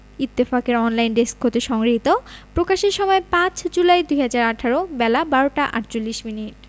ইত্তফাকের online desk হতে সংগৃহীত প্রকাশের সময় ৫ জুলাই ২০১৮ বেলা১২টা ৪৮ মিনিট